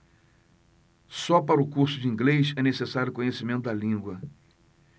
só para o curso de inglês é necessário conhecimento da língua